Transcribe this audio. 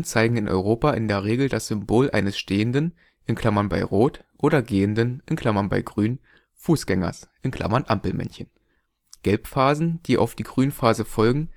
zeigen in Europa in der Regel das Symbol eines stehenden (bei Rot) oder gehenden (bei Grün) Fußgängers (Ampelmännchen). Gelbphasen, die auf die Grünphase folgen